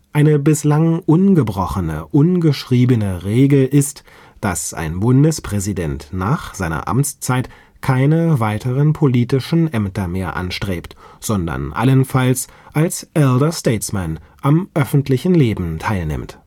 Eine bislang ungebrochene, ungeschriebene Regel ist, dass ein Bundespräsident nach seiner Amtszeit keine weiteren politischen Ämter mehr anstrebt, sondern allenfalls als elder statesman am öffentlichen Leben teilnimmt